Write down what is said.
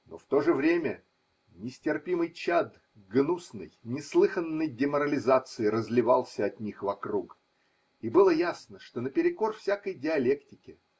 Но в то же время настерпимый чад гнусной, неслыханной деморализации разливался от них вокруг, и было ясно, что, наперекор всякой диалектике.